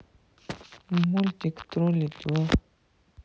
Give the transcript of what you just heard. мультик тролли два